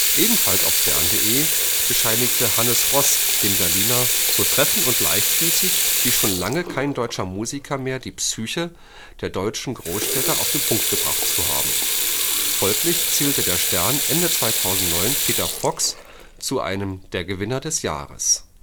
Ebenfalls auf stern.de bescheinigte Hannes Roß dem Berliner „ so treffend und leichtfüßig [wie] schon lange kein deutscher Musiker mehr die Psyche der deutschen Großstädter auf den Punkt gebracht “zu haben. Folglich zählte der stern Ende 2009 Peter Fox zu einem der Gewinner des Jahres